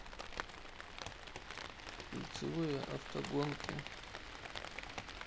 кольцевые автогонки